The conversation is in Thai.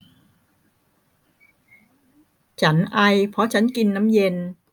ฉันไอเพราะฉันกินน้ำเย็น